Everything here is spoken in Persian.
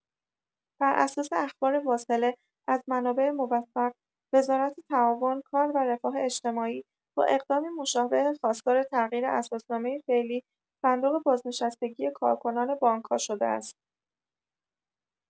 بر اساس اخبار واصله از منابع موثق، وزارت تعاون کار و رفاه اجتماعی با اقدامی مشابه خواستار تغییر اساسنامه فعلی صندوق بازنشستگی کارکنان بانک‌ها شده است.